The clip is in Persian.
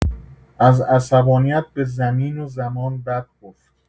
از عصبانیت به زمین و زمان بد گفت.